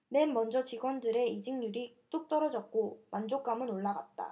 맨먼저 직원들의 이직률이 뚝 떨어졌고 만족감은 올라갔다